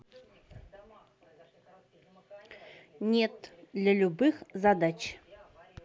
нет для любых задач